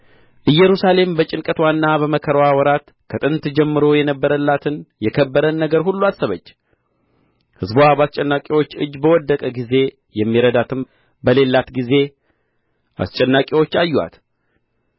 ኢየሩሳሌም በጭንቀትዋና በመከራዋ ወራት ከጥንት ጀምሮ የነበረላትን የከበረን ነገር ሁሉ አሰበች ሕዝብዋ በአስጨናቂዎች እጅ በወደቀ ጊዜ የሚረዳትም በሌላት ጊዜ አስጨናቂዎች አዩአት